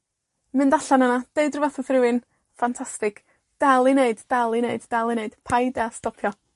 mynd allan yna, deud rwbath w'th rywun, ffantastig. Dal i neud. Dal i neud. Dal i neud. Paid â stopio.